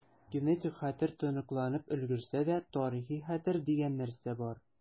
Генетик хәтер тоныкланып өлгерсә дә, тарихи хәтер дигән нәрсә бар.